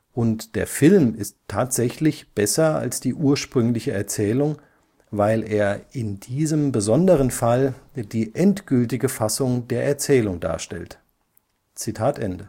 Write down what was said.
Und der Film ist tatsächlich besser als die ursprüngliche Erzählung, weil er in diesem besonderen Fall die endgültige Fassung der Erzählung darstellt. “Für den